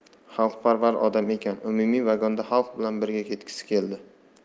xalqparvar odam ekan umumiy vagonda xalq bilan birga ketgisi keldi